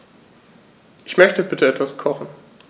Ich möchte bitte etwas kochen.